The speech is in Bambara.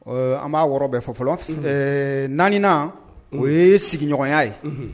Ɛɛ, an b'a 6 bɛɛ fɔ fɔlɔ, ɛɛ 4 nan o ye sigiɲɔgɔnya ye. Unhun!